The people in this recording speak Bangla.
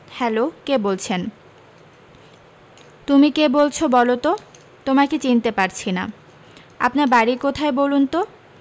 হ্যালো কে বলছেন তুমি কে বলছো বলোতো তোমাকে চিনতে পারছি না আপনার বাড়ী কোথায় বলুন তো